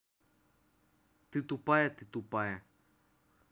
ты тупая ты тупая